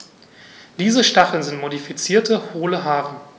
Diese Stacheln sind modifizierte, hohle Haare.